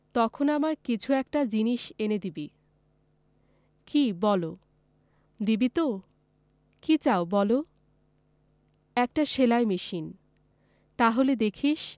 তখন আমার কিছু একটা জিনিস এনে দিবি কি বলো দিবি তো কি চাও বলো একটা সেলাই মেশিন তাহলে দেখিস